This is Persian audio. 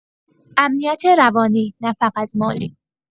امنیت روانی، نه‌فقط مالی.